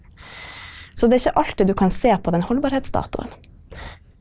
så det er ikke alltid du kan se på den holdbarhetsdatoen.